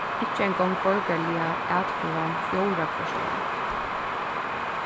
ikki eingong borgarliga atkvøðan fjórða hvørt ár